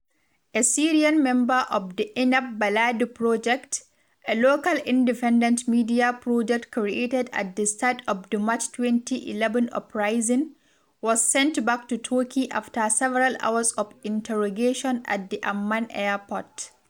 A Syrian member of the Enab Baladi project, a local independent media project created at the start of the March 2011 uprising, was sent back to Turkey after several hours of interrogation at the Amman airport.